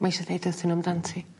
Ma' eisio deud wrthyn n'w amdan ti.